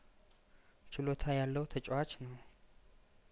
ችሎታ ያለው ተጫዋች ነው